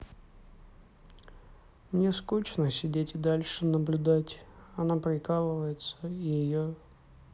мне скучно сидеть и дальше наблюдать она прикалывается ее